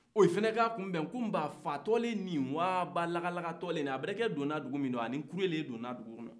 olu fana y' a kunbɛn ko yala fatɔ de ye nin ye wa lakalakatɔ n'a bɛ dɔndugu min kɔnɔ ani kule de bɛ dɔn dugukɔnɔ